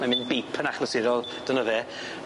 Mae'n mynd beep yn achlysurol dyna fe.